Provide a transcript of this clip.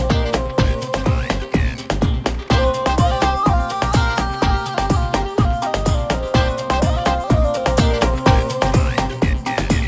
music